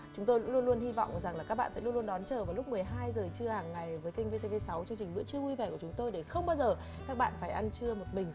chúng tôi cũng luôn luôn hy vọng rằng là các bạn sẽ luôn luôn đón chờ vào lúc mười hai giờ trưa hàng ngày với kênh vê tê vê sáu chương trình bữa trưa vui vẻ của chúng tôi để không bao giờ các bạn phải ăn trưa một mình